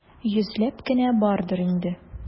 Йөзләп кенә бардыр инде.